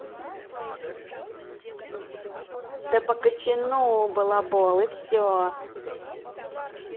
да покачену балабол и все